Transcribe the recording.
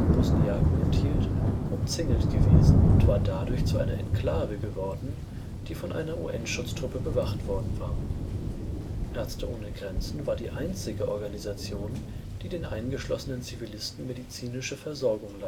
Bosniaken enthielt, umzingelt gewesen, und war dadurch zu einer Enklave geworden, die von einer UN-Schutztruppe bewacht worden war. Ärzte ohne Grenzen war die einzige Organisation, die den eingeschlossenen Zivilisten medizinische Versorgung